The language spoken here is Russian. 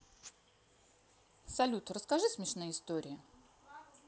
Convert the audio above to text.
салют расскажи смешные истории